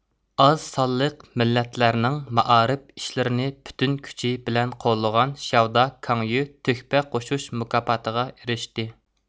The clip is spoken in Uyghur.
ئاز سانلىق مىللەتلەرنىڭ مائارىپ ئىشلىرىنى پۈتۈن كۈچى بىلەن قوللىغان شياۋداۋ كاڭيۈ تۆھپە قوشۇش مۇكاپاتىغا ئېرىشتى